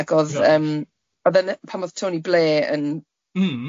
yym odd e'n yy pan odd Tony Blair yn... Hmm.